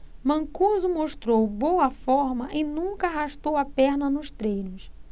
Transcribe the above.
mancuso mostrou boa forma e nunca arrastou a perna nos treinos